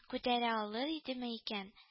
Күтәрә алыр идеме икән